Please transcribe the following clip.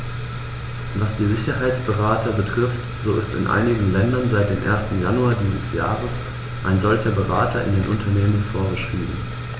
Was die Sicherheitsberater betrifft, so ist in einigen Ländern seit dem 1. Januar dieses Jahres ein solcher Berater in den Unternehmen vorgeschrieben.